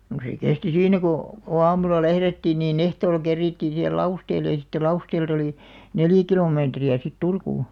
no se kesti siinä kun kun aamulla lähdettiin niin ehtoolla kerittiin siihen Lausteelle ja sitten Lausteelta oli neljä kilometriä sitten Turkuun